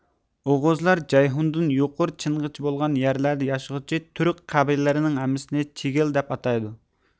ئوغۇزلار جەيھۇندىن يۇقىرى چىنغىچە بولغان يەرلەردە ياشىغۇچى تۈرك قەبىلىلىرىنىڭ ھەممىسىنى چىگىل دەپ ئاتايدۇ